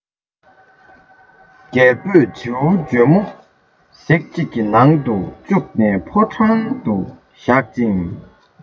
རྒྱལ པོས བྱིའུ འཇོལ མོ གཟེབ ཅིག གི ནང དུ བཅུག ནས ཕོ བྲང དུ བཞག ཅིང